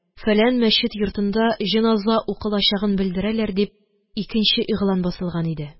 Фәлән мәсҗед йортында җеназа укылачагын белдерәләр» дип, икенче игълан басылган иде